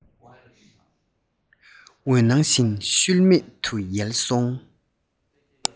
འོད སྣང བཞིན ཤུལ མེད དུ ཡལ སོང